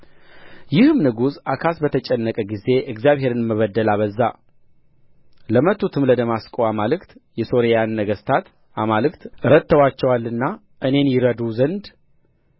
ይህም ንጉሥ አካዝ በተጨነቀ ጊዜ እግዚአብሔርን መበደል አበዛ ለመቱትም ለደማስቆ አማልክት የሶርያን ነገሥታት አማልክት ረድተዋቸዋልና እኔን ይረዱ ዘንድ